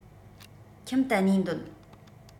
ཁྱིམ དུ གནས འདོད